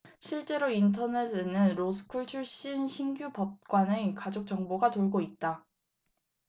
실제로 인터넷에는 로스쿨 출신 신규 법관의 가족 정보가 돌고 있다